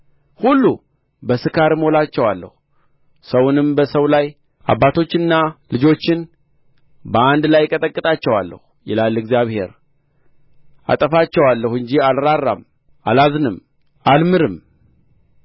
ሁሉ በስካር እሞላቸዋለሁ ሰውንም በሰው ላይ አባቶችንና ልጆችን በአንድ ላይ እቀጠቅጣለሁ ይላል እግዚአብሔር አጠፋቸዋለሁ እንጂ አልራራም አላዝንም አልምርም